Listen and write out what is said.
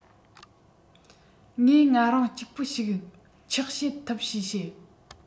ངས ང རང གཅིག པུ ཞིག ཆགས བྱེད ཐུབ ཞེས བཤད